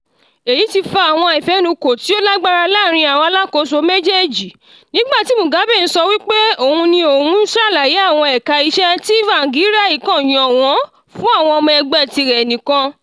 Èyí tí fa àwọn àìfẹnukò tí ó lágbára láàárín àwọn alákòóso méjèèjì, nígbà tí Mugabe ń sọ wípé òun ni òun ṣàlàyé àwọn ẹ̀ka iṣẹ́ tí Tsvangirai kàn yàn wọ́n fún àwọn ọmọ ẹgbẹ́ tirẹ̀ nìkan.